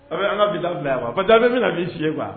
A' be an' ŋa bi ta bila yan quoi parce que a' be mena min f'i ye quoi